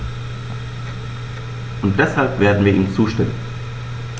Und deshalb werden wir ihm zustimmen.